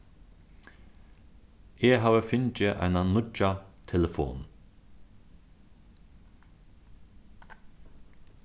eg havi fingið eina nýggja telefon